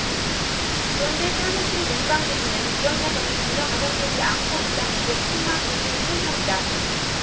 그런데 사무실의 냉방기준에는 이런 사정이 전혀 반영되지 않고 있다는 게 킹마 교수의 설명이다